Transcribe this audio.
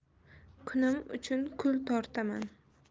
kunim uchun kul tortaman